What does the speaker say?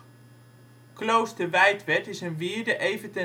Kloosterwijtwerd is een wierde even